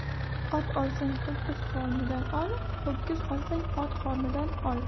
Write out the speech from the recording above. ot olsang ho'kiz qorindan ol ho'kiz olsang ot qorindan ol